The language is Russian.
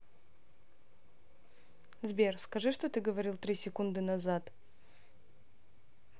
сбер скажи то что говорил три секунды назад